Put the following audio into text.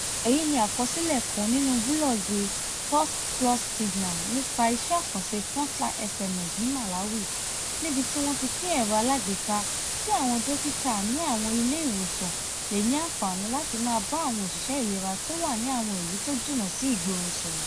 Èyí ni àkọsílẹ̀ kan nínu búlọ́ọ̀gù Pulse + Signal nípa iṣẹ́ àkànṣe FrontlineSMS ní Malawi, níbi tí wọ́n ti pín ẹ̀rọ alágbéká kí àwọn dókítà ní àwọn ilé ìwòsàn lè ní anfààní láti máa bá àwọn òṣiṣẹ́ ìlera tó wà ní àwọn ìlú tó jìnnà sí ìgboro ṣọ̀rọ̀.